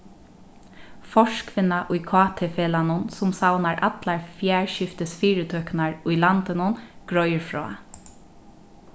forkvinna í kt-felagnum sum savnar allar fjarskiftisfyritøkurnar í landinum greiðir frá